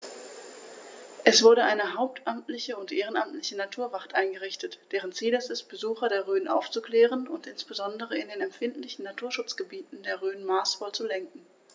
Es wurde eine hauptamtliche und ehrenamtliche Naturwacht eingerichtet, deren Ziel es ist, Besucher der Rhön aufzuklären und insbesondere in den empfindlichen Naturschutzgebieten der Rhön maßvoll zu lenken.